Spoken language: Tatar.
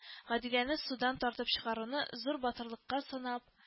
Гадиләне судан тартып чыгаруны зур батырлыкка санап